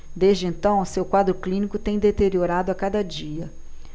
desde então seu quadro clínico tem deteriorado a cada dia